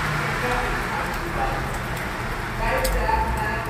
vergeldingsactie was. Vijf dagen na